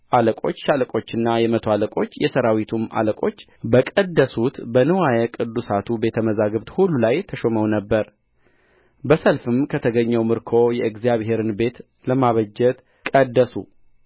አለቆች ሻለቆችና የመቶ አለቆች የሠራዊቱም አለቆች በቀደሱት በንዋየ ቅድሳቱ ቤተ መዛግብት ሁሉ ላይ ተሾመው ነበር በሰልፍም ከተገኘው ምርኮ የእግዚአብሔርን ቤት ለማበጀት ቀደሱ